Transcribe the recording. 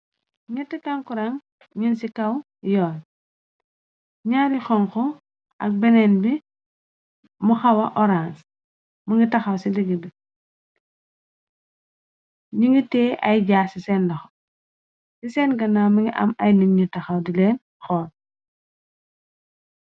Nyetti kankurang ñin ci kaw yoon ñyaari xonko ak beneen bi mu xawa orange mu ngi taxaw ci ligg bi ñu ngi tee ay jaas ci seendaxo ci seen gana mingi am ay nit ñu taxaw dileen xool.